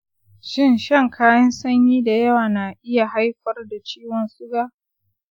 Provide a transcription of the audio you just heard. shin shan kayan sanyi da yawa na iya haifar da ciwon suga?